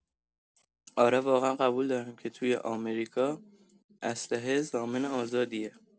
آره واقعا قبول دارم که توی آمریکا اسلحه ضامن آزادیه!